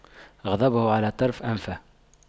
غضبه على طرف أنفه